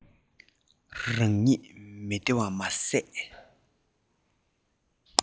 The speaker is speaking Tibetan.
རང ཉིད མི བདེ བ མ ཟད